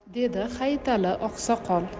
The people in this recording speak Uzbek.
dedi hayitali oqsoqol